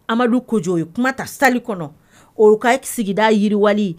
Amadu koj ye kuma ta sali kɔnɔ oka sigida yiriwa